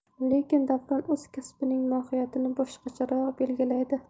lekin davron o'z kasbining mohiyatini boshqacharoq belgilaydi